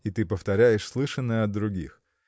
– И ты повторяешь слышанное от других!